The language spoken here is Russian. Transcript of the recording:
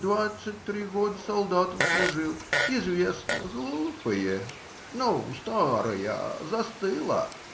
Двадцать три года солдатом служил. Известно, глупые. Ну, старая! Застыла!